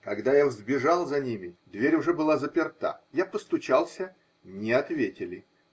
Когда я взбежал за ними, дверь уже была заперта: я постучался -- не ответили.